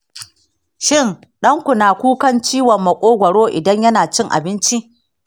shin ɗan ku na kukan ciwon maƙogoro idan yana cin abinci?